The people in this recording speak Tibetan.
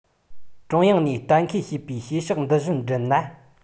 ཀྲུང དབྱང ནས གཏན ཁེལ བྱས པའི བྱེད ཕྱོགས འདི བཞིན བསྒྲུབས ན